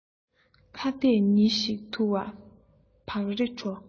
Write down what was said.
ཁྭ ཏས ཉི ཤིག འཐུ བ བག རེ དྲོ